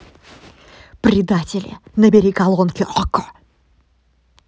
предатели набери колонки okko